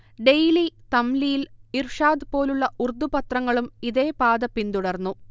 daily, തംലീൽ, ഇർഷാദ് പോലുള്ള ഉർദു പത്രങ്ങളും ഇതേപാത പിന്തുടർന്നു